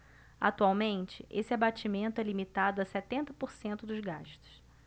atualmente esse abatimento é limitado a setenta por cento dos gastos